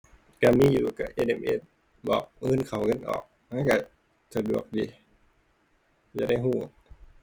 ก็มีอยู่ก็ SMS บอกเงินเข้าเงินออก มันก็สะดวกดี แล้วได้ก็